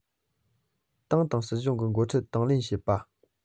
ཏང དང སྲིད གཞུང གི འགོ ཁྲིད དང ལེན བྱེད པ